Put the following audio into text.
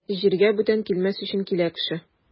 Җиргә бүтән килмәс өчен килә кеше.